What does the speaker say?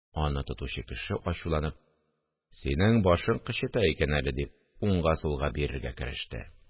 Аны тотучы кеше, ачуланып: – Синең башың кычыта икән әле, – дип, уңга-сулга бирергә кереште